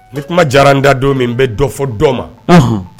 Ni kuma diyara n da don min n bɛ dɔ fɔ dɔ ma